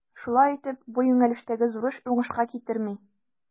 Шулай итеп, бу юнәлештәге зур эш уңышка китерми.